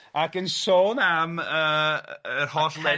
Ac yn sôn am yy yr hot lefydd.